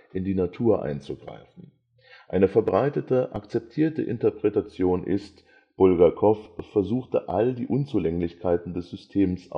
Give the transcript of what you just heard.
die Natur einzugreifen. Eine verbreitete akzeptierte Interpretation ist, Bulgakow versuchte all die Unzulänglichkeiten des Systems aufzuzeigen